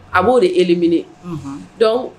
A bo de éliminer Unhun dɔn